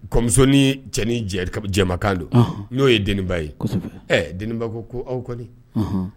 Kɔ musonin cɛn jɛkan don n'o ye denibainba ye ɛ denin ko ko aw kɔni